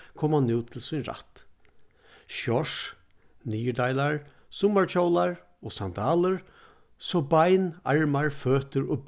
koma nú til sín rætt shorts niðurdeilar summarkjólar og sandalur so bein armar føtur og